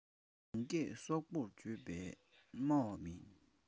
རང སྐད སྲོང པོར བརྗོད པའི སྨྲ བ མེད